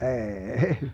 ei